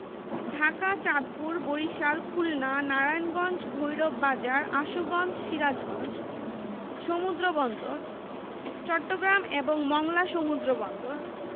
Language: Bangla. প্রধান মাছঃ স্বাদুপানির মাছ রুই কাতল মৃগেল কালবাউস সরপুঁটি বোয়াল শোল গজার টাকি